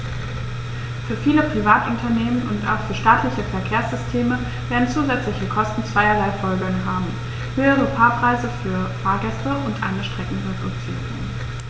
Für viele Privatunternehmen und auch für staatliche Verkehrssysteme werden zusätzliche Kosten zweierlei Folgen haben: höhere Fahrpreise für Fahrgäste und eine Streckenreduzierung.